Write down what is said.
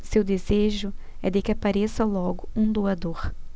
seu desejo é de que apareça logo um doador